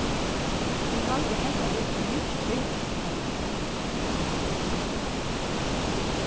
eg haldi at hetta verður ein nýggj byrjan hjá mær